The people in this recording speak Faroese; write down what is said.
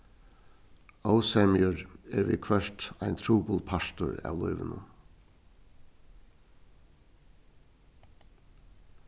ósemjur er viðhvørt ein trupul partur av lívinum